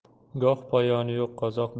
goh poyoni yo'q qozoq